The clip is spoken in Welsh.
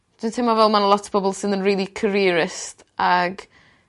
dwi'n teimlo fel ma' 'na lot o pobol sydd yn rili careerist ag